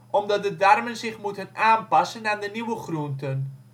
omdat de darmen zich moeten aanpassen aan de nieuwe groenten